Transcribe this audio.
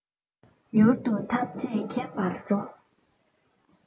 མྱུར དུ ཐམས ཅད མཁྱེན པར འགྲོ